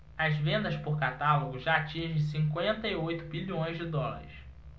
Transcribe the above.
as vendas por catálogo já atingem cinquenta e oito bilhões de dólares